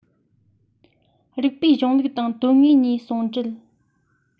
རིགས པའི གཞུང ལུགས དང དོན དངོས གཉིས ཟུང འབྲེལ